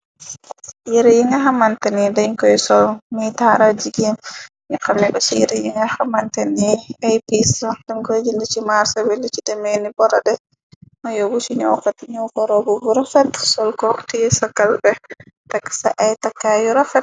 Yirèh yi nga xamanta ni dañ koy sol mi taaral jigeen ñu xamiko ci yirèh yi nga xamante ni ay piis la deñ ko dèè jandèè ci marseh bi lici demee ni borode, ga yobu ko si ci ñowkat, ñaw ko robu bu rafet sol teyeh t sa kalpèh takka sa ay takkay yu rafet.